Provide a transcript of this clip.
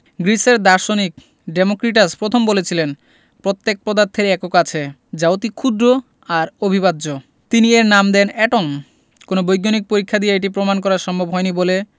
গ্রিসের দার্শনিক ডেমোক্রিটাস প্রথম বলেছিলেন প্রত্যেক পদার্থের একক আছে যা অতি ক্ষুদ্র আর অবিভাজ্য তিনি এর নাম দেন এটম কোনো বৈজ্ঞানিক পরীক্ষা দিয়ে এটি প্রমাণ করা সম্ভব হয়নি বলে